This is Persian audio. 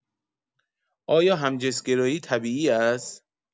آیا همجنس‌گرایی طبیعی است؟